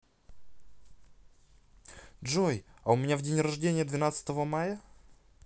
джой а у меня в день рождения двенадцатого мая